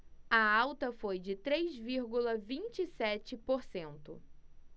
a alta foi de três vírgula vinte e sete por cento